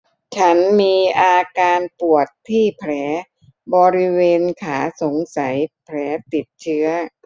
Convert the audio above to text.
ฉันมีอาการปวดที่แผลบริเวณขาสงสัยแผลติดเชื้อ